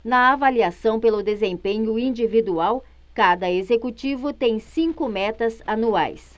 na avaliação pelo desempenho individual cada executivo tem cinco metas anuais